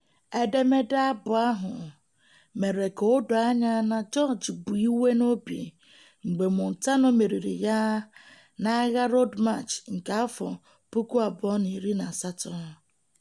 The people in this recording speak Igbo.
Edemede abụ ahụ mere ka o doo anya na George bu iwe n'obi mgbe Montano meriri ya n'agha Road March nke 2018